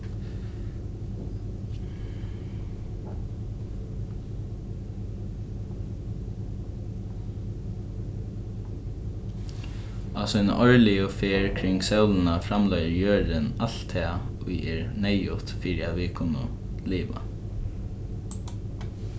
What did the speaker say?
á síni árligu ferð kring sólina framleiðir jørðin alt tað ið er neyðugt fyri at vit kunnu liva